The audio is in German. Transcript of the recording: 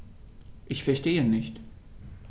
Ich verstehe nicht.